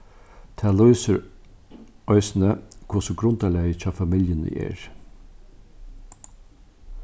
tað lýsir eisini hvussu grundarlagið hjá familjuni er